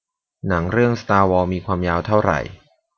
หนังเรื่องสตาร์วอร์มีความยาวเท่าไหร่